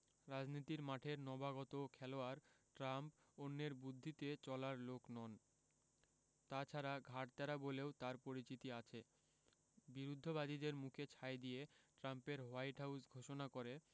রাজনীতির মাঠের নবাগত খেলোয়াড় ট্রাম্প অন্যের বুদ্ধিতে চলার লোক নন তা ছাড়া ঘাড় ত্যাড়া বলেও তাঁর পরিচিতি আছে বিরুদ্ধবাদীদের মুখে ছাই দিয়ে ট্রাম্পের হোয়াইট হাউস ঘোষণা করে